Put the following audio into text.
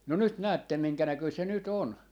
no nyt näette minkä näköinen se nyt on